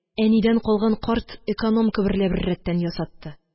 Әнидән калган карт экономка берлә беррәттән ясатты.